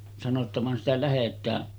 sanoi jotta vaan sitä lähdetään